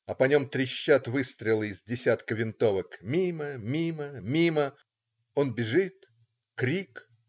А по нему трещат выстрелы из десятка винтовок, мимо, мимо, мимо. Он бежит. Крик.